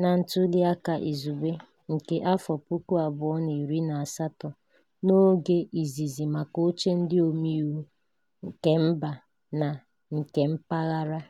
na Ntụliaka Izugbe nke 2018 n'oge izizi maka oche Ndị Omeiwu Kemba na Kempaghara.